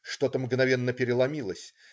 Что-то мгновенно переломилось.